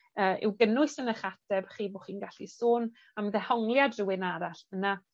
yy i'w gynnwys yn 'ych ateb chi bo' chi'n gallu sôn am ddehongliad rhywun arall yna